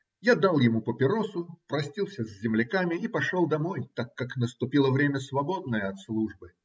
Я дал ему папиросу, простился с земляками и пошел домой, так как наступило время, свободное от службы.